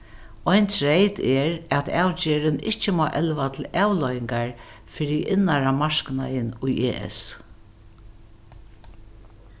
ein treyt er at avgerðin ikki má elva til avleiðingar fyri innara marknaðin í es